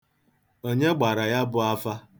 Onye gbara ya bụ afa?